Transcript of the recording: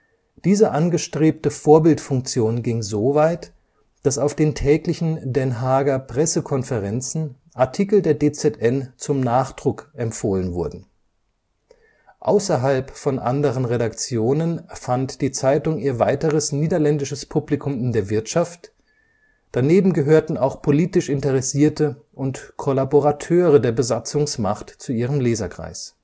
Diese angestrebte Vorbildfunktion ging soweit, dass auf den täglichen Den Haager Pressekonferenzen Artikel der DZN zum Nachdruck empfohlen wurden. Außerhalb von anderen Redaktionen fand die Zeitung ihr weiteres niederländisches Publikum in der Wirtschaft, daneben gehörten auch politisch Interessierte und Kollaborateure der Besatzungsmacht zu ihrem Leserkreis